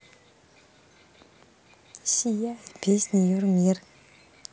сияй песня you're мир